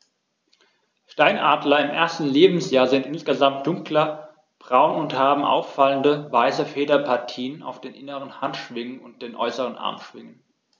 Steinadler im ersten Lebensjahr sind insgesamt dunkler braun und haben auffallende, weiße Federpartien auf den inneren Handschwingen und den äußeren Armschwingen.